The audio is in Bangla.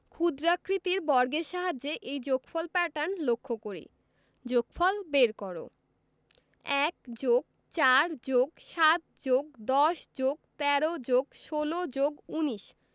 ক্ষুদ্রাকৃতির বর্গের সাহায্যে এই যোগফল প্যাটার্ন লক্ষ করি যোগফল বের করঃ ১+৪+৭+১০+১৩+১৬+১৯